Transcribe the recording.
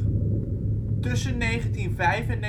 Tussen 1905 en 1913